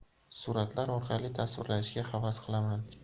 suratlar orqali tasvirlashga havas qilaman